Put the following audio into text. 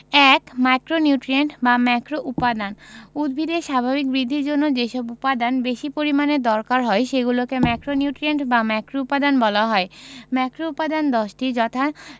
১ macronutrient বা ম্যাক্রোউপাদান উদ্ভিদের স্বাভাবিক বৃদ্ধির জন্য যেসব উপাদান বেশি পরিমাণে দরকার হয় সেগুলোকে ম্যাক্রোনিউট্রিয়েন্ট বা ম্যাক্রোউপাদান বলা হয় ম্যাক্রোউপাদান 10টি যথা